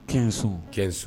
Cɛnsu cɛnsu